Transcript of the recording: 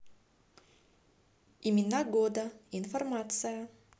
имена года информация